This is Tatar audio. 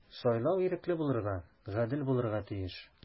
Сайлау ирекле булырга, гадел булырга тиеш.